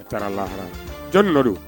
A taara lahara jɔni nɔ don